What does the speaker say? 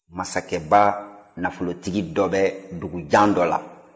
masakɛba nafolotigi dɔ bɛ dugu jan dɔ la